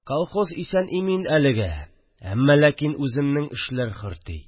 – колхоз исән-имин әлегә. әммә ликин үземнең эшләр хөрти